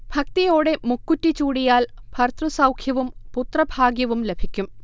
ഭക്തിയോടെ മുക്കുറ്റി ചൂടിയാൽ ഭർതൃസൗഖ്യവും പുത്രഭാഗ്യവും ലഭിക്കും